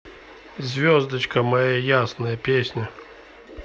звездочка моя ясная песня